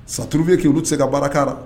Sa turubie k' u bɛ se ka baarakan la